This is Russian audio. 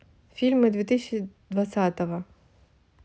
фильмы две тысячи двадцатого